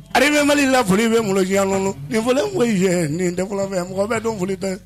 A bɛ mali la kunnafoni bɛ bolo nɔ ninlen nin tɛfɛ yan mɔgɔ bɛ don foli tɛ